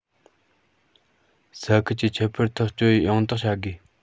ས ཁུལ གྱི ཁྱད པར ཐག གཅོད ཡང དག བྱ དགོས